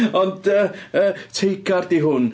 Ond yy yy teigar 'di hwn.